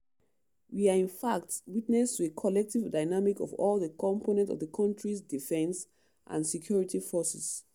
We are in fact witness to a collective dynamic of all the components of the country's defence and security forces.